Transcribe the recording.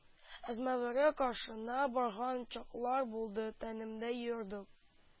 Әзмәвере каршына барган чаклар булды, тәнемдә йорды